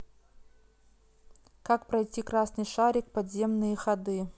как пройти красный шарик подземные ходы